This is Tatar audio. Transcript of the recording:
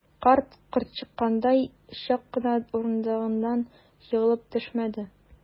Карт, корт чаккандай, чак кына урындыгыннан егылып төшмәде.